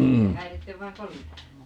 jos ei häiritse vain kolina